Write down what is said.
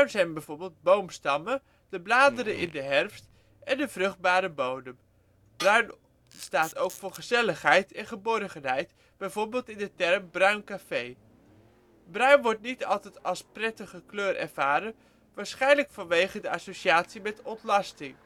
zijn bijvoorbeeld boomstammen, de bladeren in de herfst, en een vruchtbare bodem. Bruin staat ook voor gezelligheid en geborgenheid, bijvoorbeeld in de term bruin café. Bruin wordt niet altijd als een prettige kleur ervaren, waarschijnlijk vanwege de associatie met ontlasting